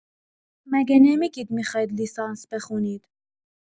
مگه نمی‌گید میخواید لیسانس بخونید؟